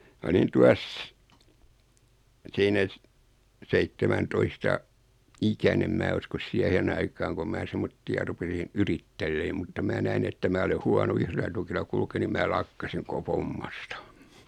minä olin tuossa siinä - seitsemäntoista ikäinen minä uskoisin siihen aikaan kun minä semmoisia rupesin yrittelemään mutta minä näin että minä olen huono yhdellä tukilla kulkemaan niin minä lakkasin koko hommasta